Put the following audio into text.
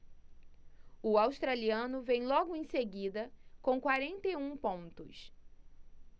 o australiano vem logo em seguida com quarenta e um pontos